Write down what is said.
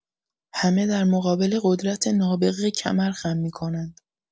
همه در مقابل قدرت نابغه کمر خم می‌کنند.